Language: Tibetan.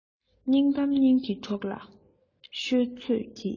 སྙིང གཏམ སྙིང གི གྲོགས ལ ཤོད ཚོད གྱིས